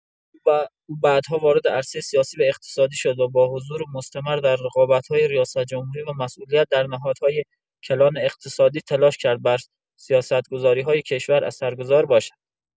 او بعدها وارد عرصه سیاسی و اقتصادی شد و با حضور مستمر در رقابت‌های ریاست‌جمهوری و مسئولیت در نهادهای کلان اقتصادی تلاش کرد بر سیاست‌گذاری‌های کشور اثرگذار باشد.